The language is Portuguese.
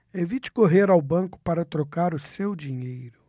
evite correr ao banco para trocar o seu dinheiro